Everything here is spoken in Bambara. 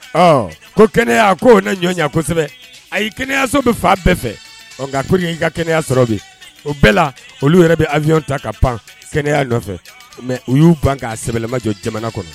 Ɔ ko kɛnɛya k o ne ɲɔ ye kosɛbɛ a ye kɛnɛ kɛnɛyayaso bɛ fa bɛɛ fɛ nka ko in ka kɛnɛyaya sɔrɔ bi o bɛɛ la olu yɛrɛ bɛ awyyew ta ka pan sɛnɛya nɔfɛ mɛ u y'u ban k'a sɛbɛnbɛɛlɛmajɔ jamana kɔnɔ